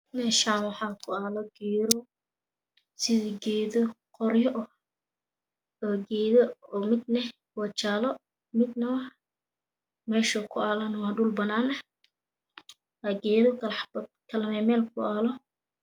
Meeshan waxaa ku aalo geedo sida geedo qoryo wa gedo oo mid jaalo midna waa meesha uu ku aalana waa meel banaan waa geedo kala bax baxsan melo kala duwan ku aalo